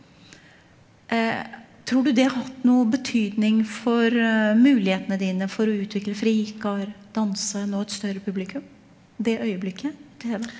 tror du det har hatt noe betydning for mulighetene dine for å utvikle FRIKAR danse nå et større publikum det øyeblikket tv?